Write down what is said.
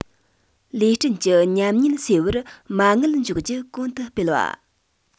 ལས སྐྲུན གྱི ཉམས ཉེན སེལ བར མ དངུལ འཇོག རྒྱུ གོང དུ སྤེལ བ